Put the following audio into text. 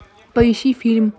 поищи фильм